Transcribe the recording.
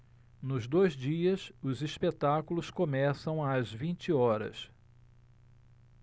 nos dois dias os espetáculos começam às vinte horas